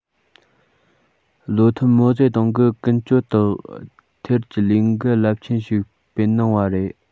བློ མཐུན མའོ ཙེ ཏུང གིས ཀུན སྤྱོད དག ཐེར གྱི ལས འགུལ རླབས ཆེན ཞིག སྤེལ གནང བ རེད